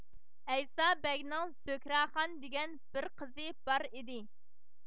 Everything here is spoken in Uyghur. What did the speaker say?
ئەيسا بەگنىڭ زۆھرەخان دېگەن بىر قىزى بار ئىدى